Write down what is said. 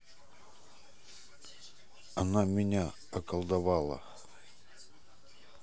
она меня околдовала